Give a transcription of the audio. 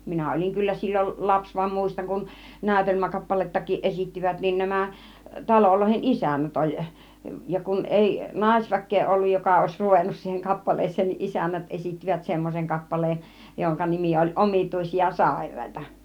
minä olin kyllä silloin lapsi vaan muistan kun näytelmäkappalettakin esittivät niin nämä talojen isännät oli ja kun ei naisväkeä ollut joka olisi ruvennut siihen kappaleeseen niin isännät esittivät semmoisen kappaleen jonka nimi oli Omituisia sairaita